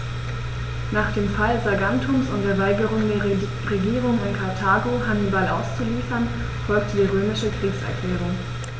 Nach dem Fall Saguntums und der Weigerung der Regierung in Karthago, Hannibal auszuliefern, folgte die römische Kriegserklärung.